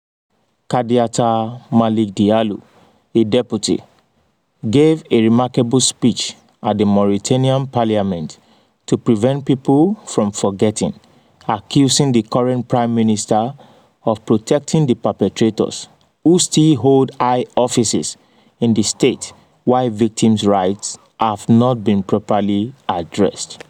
Kardiata Malick Diallo, a deputy, gave a remarkable speech at the Mauritanian parliament to prevent people from forgetting, accusing the current prime minister of protecting the perpetrators, who still hold high offices in the state while victims rights’ have not been properly addressed: